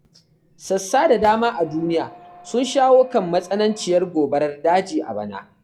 Sassa da dama na duniya sun shawo kan matsananciyar gobarar daji a bana.